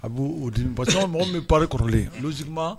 A b' mɔgɔ min pari kɔrɔlen